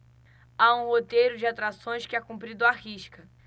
há um roteiro de atrações que é cumprido à risca